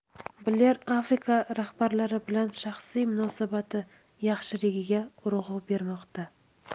bler afrika rahbarlari bilan shaxsiy munosabati yaxshiligiga urg'u bermoqda